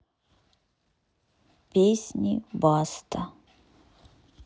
песни баста